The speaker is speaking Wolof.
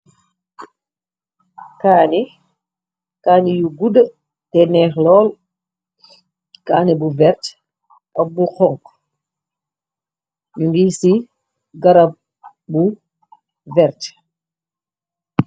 Kaañi yu gudda te nèèx lool kaané bu vert ak bu xonxu ñu ngi ci garab bu vert.